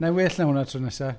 Wna i well na hynna tro nesa.